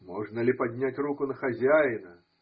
Можно ли поднять руку на хозяина?